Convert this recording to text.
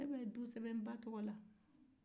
e ko ne ye du sɛbɛn n ba tɔgɔ la